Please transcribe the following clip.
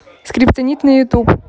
скриптонит на ютуб